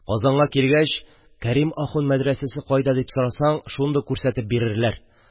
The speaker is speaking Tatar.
Казанга килгәч, Кәрим ахун мәдрәсәсе кайда дип сорасаң, шундук күрсәтеп бирерләр.